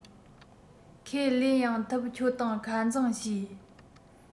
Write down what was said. ཁས ལེན ཡང ཐུབ ཁྱོད དང ཁ འཛིང བྱས